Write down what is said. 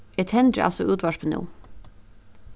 eg tendri altso útvarpið nú